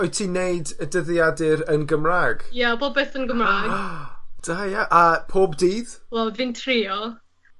Wyt ti'n neud y dyddiadur yn Gymrag? Ie popeth yn Gymrag. Da ia-... A pob dydd? Wel, fi'n trio.